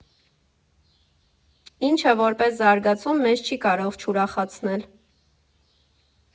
Ինչը, որպես զարգացում, մեզ չի կարող չուրախացնել։